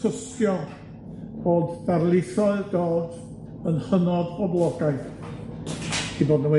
tystio bod darlithoedd Dodd yn hynod boblogaidd, 'u fod nw